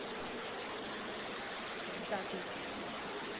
ты когда ты упал с лестницы